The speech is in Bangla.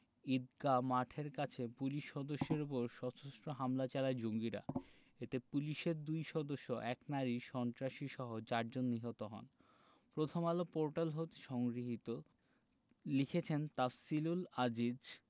ঈদগাহ মাঠের কাছে পুলিশ সদস্যদের ওপর সশস্ত্র হামলা চালায় জঙ্গিরা এতে পুলিশের দুই সদস্য এক নারী সন্ত্রাসীসহ চারজন নিহত হন প্রথমআলো পোর্টাল হতে সংগৃহীত লিখেছেন তাফসিলুল আজিজ